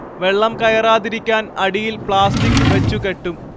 വെള്ളം കയറാതിരിക്കാൻ അടിയിൽ പ്ലാസ്റ്റിക് വെച്ചുകെട്ടും